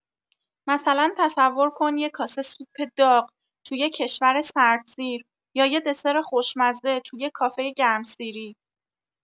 مثلا تصور کن یه کاسه سوپ داغ تو یه کشور سردسیر، یا یه دسر خوشمزه تو یه کافه گرمسیری.